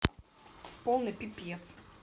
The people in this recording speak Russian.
полный пиздец